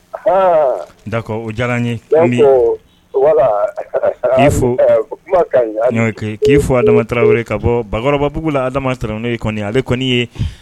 Dakɔ o diyara ye k'i fo k'i fɔ adamata ka bɔ bakɔrɔbabuguugula adamadama taara n'o kɔni ale bɛ kɔni ye